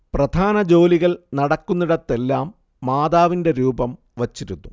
പ്രധാന ജോലികൾ നടക്കുന്നിടത്തെല്ലാം മാതാവിന്റെ രൂപം വച്ചിരുന്നു